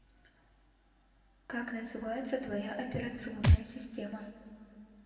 как называется твоя операционная система